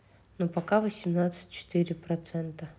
ну пока восемьдесят четыре процента